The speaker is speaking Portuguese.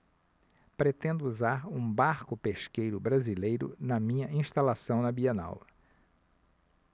pretendo usar um barco pesqueiro brasileiro na minha instalação na bienal